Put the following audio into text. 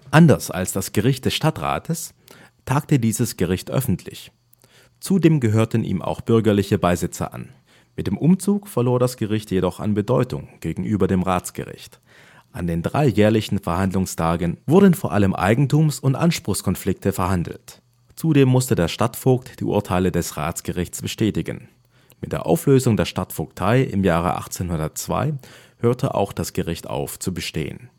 Anders als das Gericht des Stadtrates tagte dieses Gericht öffentlich. Zudem gehörten ihm auch bürgerliche Beisitzer an. Mit dem Umzug verlor das Gericht jedoch an Bedeutung gegenüber dem Ratsgericht. An den drei jährlichen Verhandlungstagen wurden vor allem Eigentums - und Anspruchskonflikte verhandelt. Zudem musste der Stadtvogt die Urteile des Ratsgerichts bestätigen. Mit der Auflösung der Stadtvogtei im Jahre 1802 hörte auch das Gericht auf zu bestehen